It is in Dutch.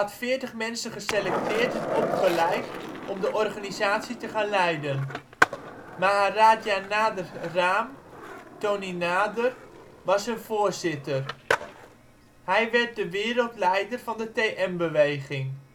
veertig mensen geselecteerd en opgeleid om de organisatie te gaan leiden. Maharaja Nader Raam (Tony Nader) was hun voorzitter; hij werd de wereldleider van de TM-beweging